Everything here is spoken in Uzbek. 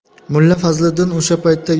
mulla fazliddin o'sha paytda